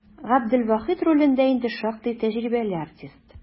Габделвахит ролендә инде шактый тәҗрибәле артист.